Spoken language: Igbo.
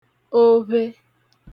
ovhe